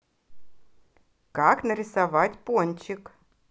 как нарисовать пончик